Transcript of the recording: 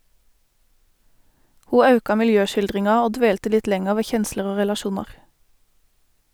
Ho auka miljøskildringa og dvelte litt lenger ved kjensler og relasjonar.